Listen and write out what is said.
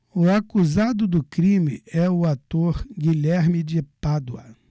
o acusado do crime é o ator guilherme de pádua